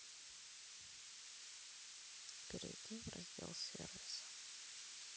перейди в раздел сервиса